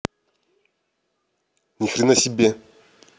нихрена себе